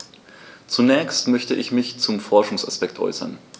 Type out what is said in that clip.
Zunächst möchte ich mich zum Forschungsaspekt äußern.